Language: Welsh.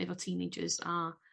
efoteenagers a